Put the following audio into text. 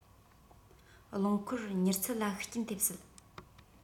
རློང འཁོར མྱུར ཚད ལ ཤུགས རྐྱེན ཐེབས སྲིད